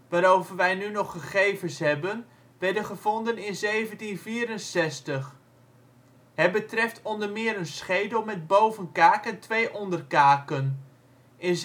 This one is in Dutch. waarover wij nu nog gegevens hebben, werden gevonden in 1764. Het betreft onder meer een schedel met bovenkaak en twee onderkaken, in